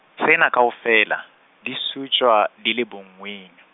tsena kaofela, di sutjwa, di le bonngweng.